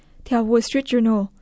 theo ua trít gioi nồ